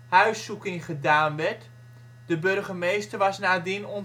huiszoeking gedaan werd (de burgemeester was nadien